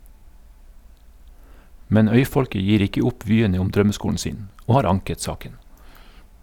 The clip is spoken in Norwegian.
Men øyfolket gir ikke opp vyene om drømmeskolen sin, og har anket saken.